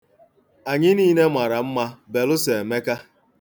Anyị niile mara mma belụsọ Emeka.